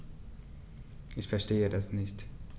Ich verstehe das nicht.